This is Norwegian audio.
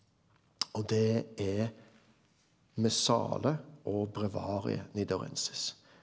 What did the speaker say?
og det er Missale og breviariet Nidrosiensis.